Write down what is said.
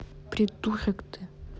придурок ты